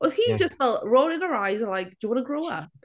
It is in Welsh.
Oedd hi jyst... reit ...fel rolling her eyes like, "Do you wanna grow up?"